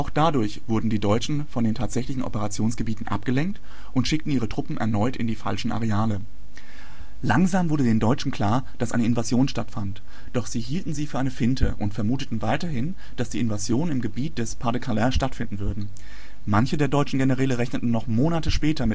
dadurch wurden die Deutschen von den tatsächlichen Operationsgebieten abgelenkt und schickten ihre Truppen erneut in die falschen Areale. Langsam wurde es den Deutschen klar, dass eine Invasion stattfand. Doch sie hielten sie für eine Finte und vermuteten weiterhin, dass die Invasion im Gebiet des Pas-de-Calais stattfinden würde. Manche der deutschen Generäle rechneten noch Monate später